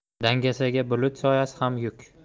dangasaga bulut soyasi ham yuk